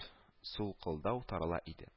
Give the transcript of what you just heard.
Сулкылдау тарала иде